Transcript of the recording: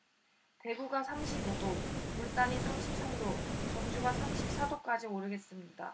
대구가 삼십 오 도 울산이 삼십 삼 도 전주가 삼십 사 도까지 오르겠습니다